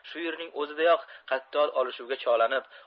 shu yerning o'zidayoq qattol olishuvga chog'lanib